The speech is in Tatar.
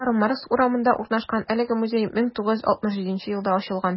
Карл Маркс урамында урнашкан әлеге музей 1967 елда ачылган.